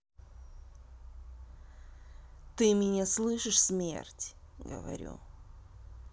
ты меня слышишь смерть говорю